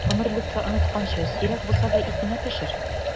Гомерлеккә онытканчы, сирәк булса да исеңә төшер!